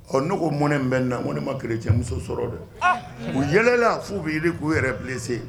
Ɔ n'u ko mɔnɛ bɛ na mɔn ma kere cɛmuso sɔrɔ dɛ u yɛlɛla'u bɛ yiri k'u yɛrɛ bilense